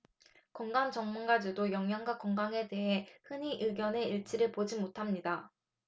건강 전문가들도 영양과 건강에 대해 흔히 의견의 일치를 보지 못합니다